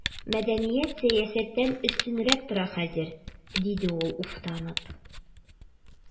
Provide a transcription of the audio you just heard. Мәдәният сәясәттән өстенрәк тора хәзер, диде ул уфтанып.